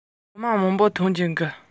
ངས ཤར ལྷོ ནུབ བྱང ཡོད ཚད ནོར སོང